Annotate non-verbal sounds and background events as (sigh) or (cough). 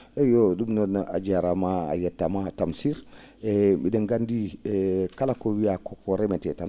eeyo ?um noon a jaaraama a yettaama Tamsir (breath) mbi?en ganndi e kala ko wiyaa ko ko remetee tan